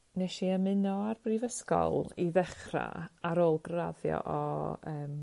Neshi ymuno ar Brifysgol i ddechra ar ôl graddio o yym